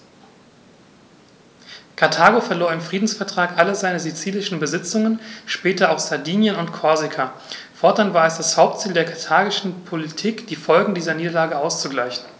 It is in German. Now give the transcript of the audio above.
Karthago verlor im Friedensvertrag alle seine sizilischen Besitzungen (später auch Sardinien und Korsika); fortan war es das Hauptziel der karthagischen Politik, die Folgen dieser Niederlage auszugleichen.